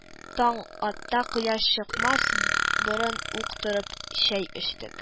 Таң атта, кояш чыкмас борын ук торып чәй эчтек